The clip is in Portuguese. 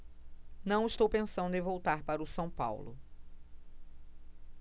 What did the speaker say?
não estou pensando em voltar para o são paulo